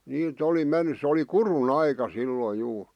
niitä oli mennyt se oli kudun aika silloin juu